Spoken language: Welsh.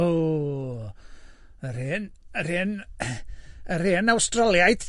O, yr hen, yr hen, yr hen Awstraliaid.